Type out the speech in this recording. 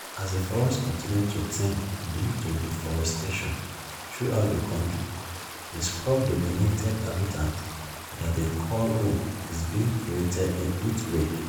As the forest continues to thin due to deforestation throughout the country, the scrub-dominated habitat that they call home is being created in its wake.